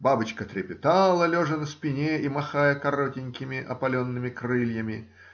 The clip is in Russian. Бабочка трепетала, лежа на спине и махая коротенькими опаленными крыльями.